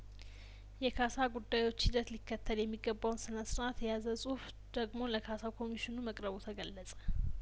የካሳ ጉዳዮች ሂደት ሊከተል የሚገባውን ስነ ስርአት የያዘ ጽሁፍ ደግሞ ለካሳ ኮሚሽኑ መቅረቡ ተገለጸ